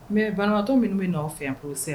Mɛ banatɔ minnu bɛ nɔ fɛ p sen